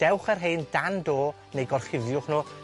dewch â rhein dan do, neu gorchuddiwch nw